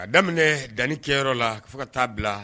Ka daminɛ danni kɛyɔrɔ la fo ka taa bila